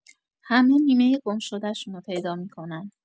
همه نیمۀ گم شدشونو پیدا می‌کنن